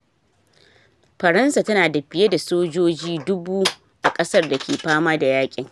Faransa tana da fiye da sojoji 1,000 a kasar da ke fama da yakin.